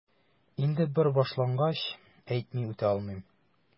Инде бер башлангач, әйтми үтә алмыйм...